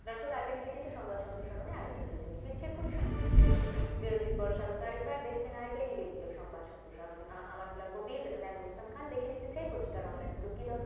দর্শক IPA নিবেদিত সরকার সম্প্রসারণে আরেকটা বিরতি নিয়ে ফিরছি এক্ষুনি সঙ্গে থাকুন বিরতির পর স্বাগত আরেকবার দেখছেন আইপিএ নিবেদিত সংবাদ সম্প্রসারণ আমানুল্লাহ কবীর নাঈমুল ইসলাম খান পত্রিকার অনলাইন গুলো কী